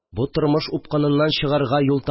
Бу тормыш упкыныннан чыгарга юл